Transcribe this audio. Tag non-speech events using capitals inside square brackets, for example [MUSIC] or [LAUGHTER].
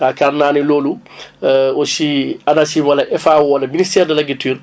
yaakaar naa ne loolu [BREATH] [HESITATION] aussi ANACIM wala FAO wala ministère de l' agriculture